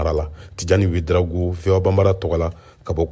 tijani wederawogo voa tɔgɔ la ka bɔ koro